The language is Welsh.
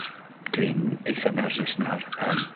Dwi'n eitha nerfus nawr yym.